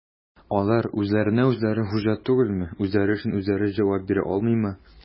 Алар үзләренә-үзләре хуҗа түгелме, үзләре өчен үзләре җавап бирә алмыймы?